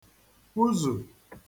-kwụzu